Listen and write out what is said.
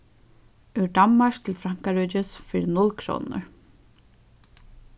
úr danmark til frankaríkis fyri null krónur